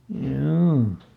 joo